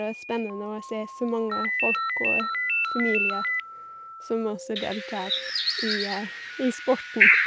Og spennende å se så mange folk og familier som også deltar i i sporten.